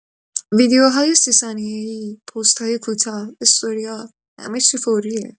ویدیوهای ۳۰ ثانیه‌ای، پست‌های کوتاه، استوری‌ها… همه‌چی فوریه.